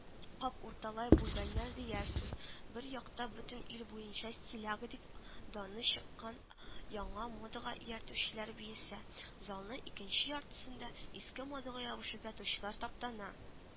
Кап урталай бүлгәннәр диярсең, бер якта бөтен ил буенча стиляга дип даны чыккан яңа модага ияртүчеләр биесә, залның икенче яртысында иске модага ябышып ятучылар таптана